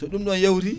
so ɗum ɗon yawti